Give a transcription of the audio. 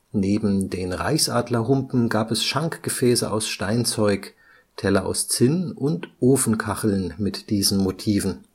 Neben den Reichsadlerhumpen gab es Schankgefäße aus Steinzeug, Teller aus Zinn und Ofenkacheln mit diesen Motiven